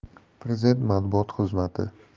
prezident matbuot xizmati